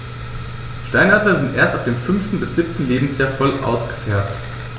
Steinadler sind erst ab dem 5. bis 7. Lebensjahr voll ausgefärbt.